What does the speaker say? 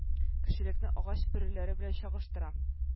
Кешелекне агач бөреләре белән чагыштыра